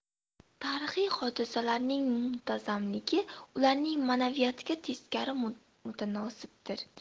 tarixiy hodisalarning muntazamligi ularning ma'naviyatiga teskari mutanosibdir